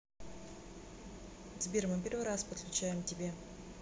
сбер мы первый раз подключаем к тебе